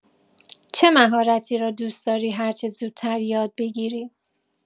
چه مهارتی را دوست‌داری هرچه زودتر یاد بگیری؟